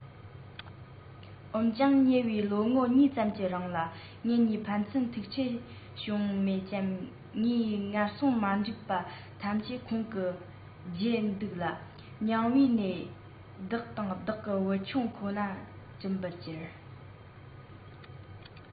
འོན ཀྱང ཉེ བའི ལོ ངོ གཉིས ཙམ གྱི རིང ལ ངེད གཉིས ཕན ཚུན ཐུགས འཕྲད བྱུང མེད རྐྱེན ངའི སྔར སོང མ འགྲིག པ ཐམས ཅད ཁོང གིས བརྗེད འདུག ལ སྙིང དབུས ནས བདག དང བདག གི བུ ཆུང ཁོ ན དྲན པར བྱེད